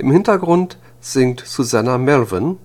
Hintergrund singt Susannah Melvoin